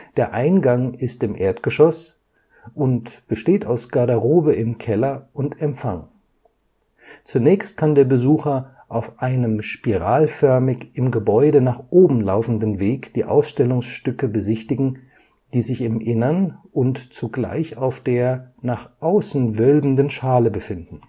Der Eingang ist im Erdgeschoss und besteht aus Garderobe (im Keller) und Empfang. Zunächst kann der Besucher auf einem spiralförmig im Gebäude nach oben laufenden Weg die Ausstellungsstücke besichtigen, die sich im Inneren und zugleich auf der nach außen wölbenden Schale befinden